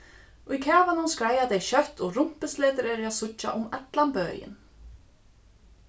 í kavanum skreiða tey skjótt og rumpusletur eru at síggja um allan bøin